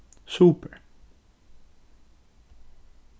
super